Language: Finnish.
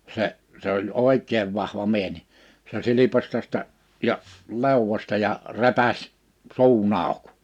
se se oli oikein vahva mies niin se silpaisi tästä ja leuasta ja repäisi suun auki